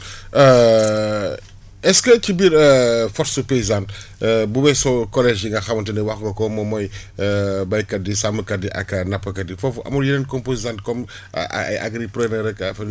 est ce que ci biir force paysane bu weesoo collèges yi nga xamante ne wax nga ko moom mooy baykat di sàmmkat di ak nappkat yi foofu amul yeneen composantes comme ay Agri Proder ak affaires